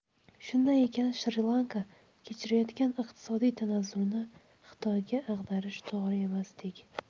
shunday ekan shri lanka kechirayotgan iqtisodiy tanazzulni xitoyga ag'darish to'g'ri emasdek